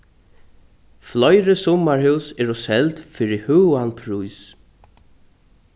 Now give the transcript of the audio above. fleiri summarhús eru seld fyri høgan prís